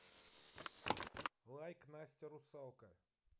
лайк настя русалка